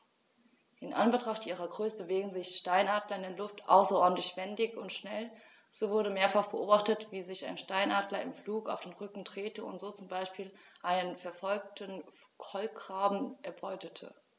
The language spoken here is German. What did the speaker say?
In Anbetracht ihrer Größe bewegen sich Steinadler in der Luft außerordentlich wendig und schnell, so wurde mehrfach beobachtet, wie sich ein Steinadler im Flug auf den Rücken drehte und so zum Beispiel einen verfolgenden Kolkraben erbeutete.